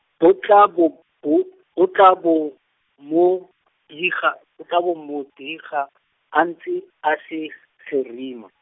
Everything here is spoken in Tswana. bo tla bo bo, bo tla bo, mo , diga, bo tla bo mo diga, a ntse, a se, gerima.